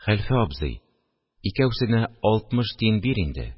– хәлфә абзый, икәүсенә алтмыш тиен бир инде